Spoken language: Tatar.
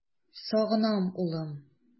Сагынам, улым!